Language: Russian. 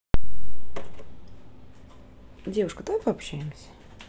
девушка давай пообщаемся